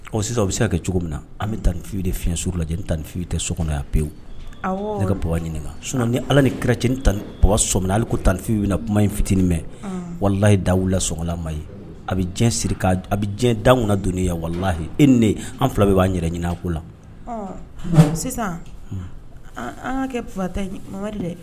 Sisan u bɛ se ka kɛ cogo min na an bɛ tan nifi de fi suurula tan ni fi tɛ so kɔnɔya pewu ne ka baba ɲinika s ni ala ni kirac tan sɔ minna ale ko tanfi wili kuma in fitinin mɛn walayi da wilila sola ma ye a bɛ diɲɛ siri a bɛ diɲɛ da kun don yan walahi e ni an fila bɛ b'an yɛrɛ ɲinin a ko la sisan an kɛta dɛ